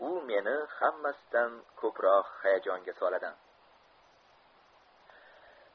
u meni hammasidan ko'proq hayajonga soladi